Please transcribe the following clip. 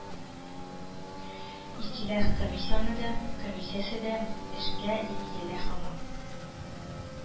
Истилях комиссионы да комиссиясе дә эшкә яле һаман